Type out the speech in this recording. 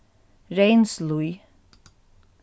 reynslíð